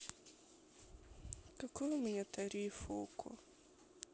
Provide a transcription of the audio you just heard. какой у меня тариф окко